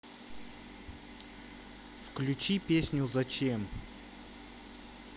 включи песню зачем